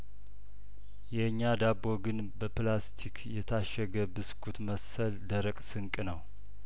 የእኛ ዳቦ ግን በፕላስቲክ የታሸገ ብስኩት መሰል ደረቅ ስንቅ ነው